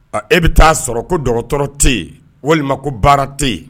E bɛ ta sɔrɔ ko docteur tɛ yen walima ko baara tɛ yen